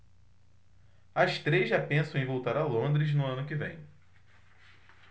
as três já pensam em voltar a londres no ano que vem